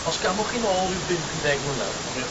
Os gamwch chi nôl ryw bump i ddeg mlynedd, a mae